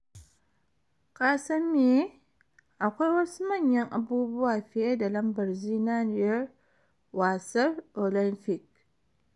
“Ka san meye, akwai wasu manyan abubuwa fiye da lambar zinariyar wasar Olympics.